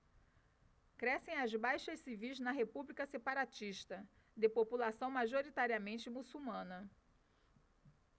crescem as baixas civis na república separatista de população majoritariamente muçulmana